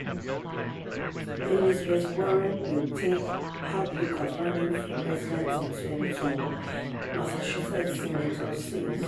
Elizabeth Warren Will Take "Hard Look" At Running For President in 2020, Massachusetts Senator Says